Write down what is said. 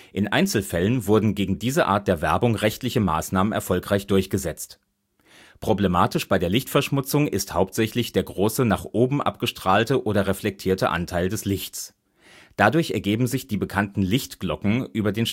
In Einzelfällen wurden gegen diese Art der Werbung rechtliche Maßnahmen erfolgreich durchgesetzt. Problematisch bei der Lichtverschmutzung ist hauptsächlich der große nach oben abgestrahlte oder reflektierte Anteil des Lichts. Dadurch ergeben sich die bekannten Lichtglocken über den